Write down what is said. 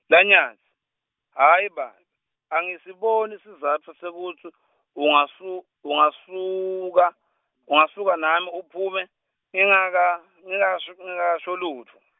laNyatsi, hhayi babe angisiboni sizatfu sekutsi, ungasu- ungasuka, ungasuka nami imphume, ngingaka, nginashok- ngingakasho lutfo.